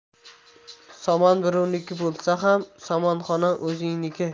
somon birovniki bo'lsa ham somonxona o'zingniki